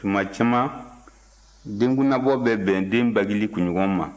tuma caman den kunnabɔ bɛ bɛn den bangeli kunɲɔgɔn ma